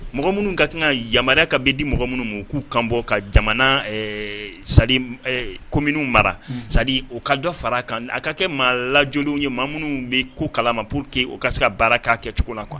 Mɔgɔ minnu ka kan ka yamaruya ka bɛ di mɔgɔ minnu ma u k'u kanbɔ ka jamana c'est à dire kominiw mara c'est àdire o ka dɔ far'a kan a ka kɛ maa lajolenw ye maa minnu bɛ ko kalama pour que u ka se ka baara kɛ a kɛcogo la quoi